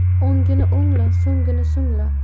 o'ngini o'ngla so'ngini so'ngla